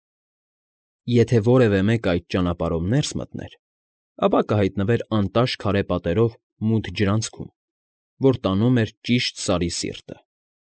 Եթե որևէ մեկը այդ ճանապարհով ներս մտներ, ապա կհայտնվեր անտաշ քարե պատկերով մութ ջրանցքում, որ տանում էր ճիշտ սարի սիրտը։